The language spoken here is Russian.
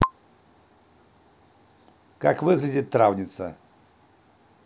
как выглядит травница